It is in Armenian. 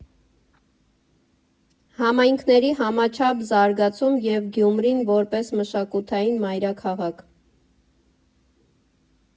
Համայնքների համաչափ զարգացում և Գյումրին որպես մշակութային մայրաքաղաք։